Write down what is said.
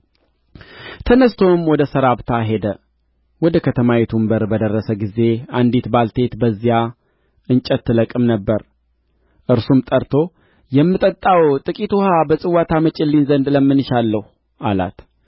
ተነሥቶም ወደ ሰራፕታ ሄደ ወደ ከተማይቱም በር በደረሰ ጊዜ አንዲት ባልቴት በዚያ እንጨት ትለቅም ነበር እርሱም ጠርቶ የምጠጣው ጥቂት ውኃ በጽዋ ታመጭልኝ ዘንድ እለምንሻለሁ አላት